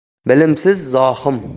bilimsiz zohm